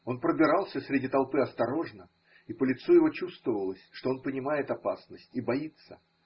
Он пробирался среди толпы осторожно, и по лицу его чувствовалось, что он понимает опасность и боится.